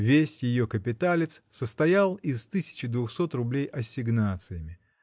Весь ее капиталец состоял из тысячи двухсот рублей ассигнациями